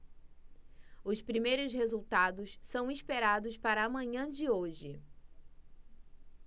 os primeiros resultados são esperados para a manhã de hoje